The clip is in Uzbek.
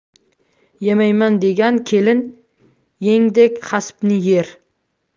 yemayman degan kelin yengdek hasipni yer